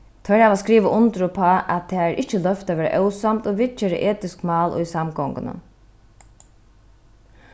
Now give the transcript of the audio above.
teir hava skrivað undir uppá at tað er ikki loyvt at verða ósamd og viðgera etisk mál í samgonguni